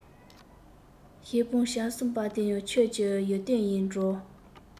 ཞེས སྤང བྱར གསུངས པ དེ ཡང ཁྱོད ཀྱི ཡོན ཏན ཡིན འགྲོ